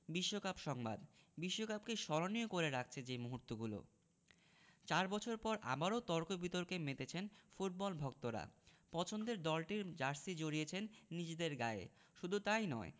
বিশ্বকাপ সংবাদ বিশ্বকাপকে স্মরণীয় করে রাখছে যে মুহূর্তগুলো চার বছর পর আবারও তর্ক বিতর্কে মেতেছেন ফুটবল ভক্তরা পছন্দের দলটির জার্সি জড়িয়েছেন নিজেদের গায়ে শুধু তা ই নয়